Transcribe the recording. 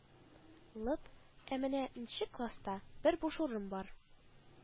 Лып: «ә менә нче класста бер буш урын бар